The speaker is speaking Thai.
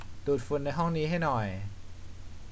ดูดฝุ่นห้องนี้ให้หน่อย